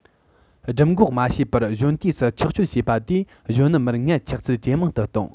སྦྲུམ འགོག མ བྱས པར གཞོན དུས སུ ཆགས སྤྱོད བྱས པ དེས གཞོན ནུ མར མངལ ཆགས ཚད ཇེ མང དུ བཏང